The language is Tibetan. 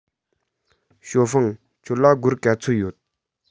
ཞའོ ཧྥང ཁྱོད ལ སྒོར ག ཚོད ཡོད